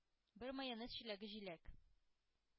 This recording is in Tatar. Бер майонез чиләге җиләк –